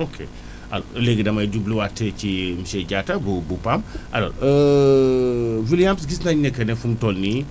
ok alors léegi damay jubluwaat ci ci ci monsieur Diatta bu bu PAM alors William gis nañu ne que ne fi mi toll nii